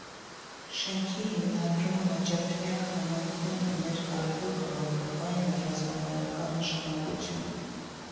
Շենքի հիմնադրումն Աջափնյակ համայնքում ուներ կարևոր քաղաքական և ռազմավարական նշանակություն։